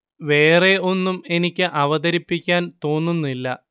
വേറെ ഒന്നും എനിക്ക് അവതരിപ്പിക്കാൻ തോന്നുന്നില്ല